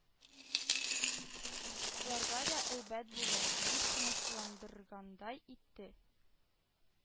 Ларга да әйбәт булыр, – дип тынычландыргандай итте